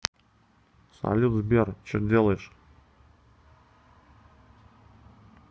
салют сбер что дальше